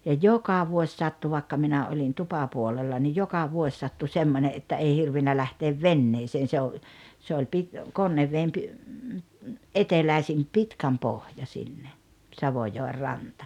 ja joka vuosi sattui vaikka minä olin tupapuolella niin joka vuosi sattui semmoinen että ei hirvinnyt lähteä veneeseen se on se oli - Konneveden - eteläisin Pitkänpohja sinne Savojoen rantaan